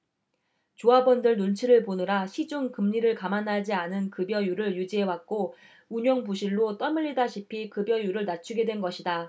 조합원들 눈치를 보느라 시중 금리를 감안하지 않은 급여율을 유지해왔고 운용 부실로 떠밀리다시피 급여율을 낮추게 된 것이다